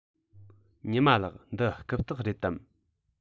ཉི མ ལགས འདི རྐུབ སྟེགས རེད དམ